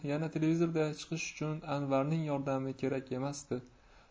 yana televizorda chiqish uchun anvarning yordami kerak emasdi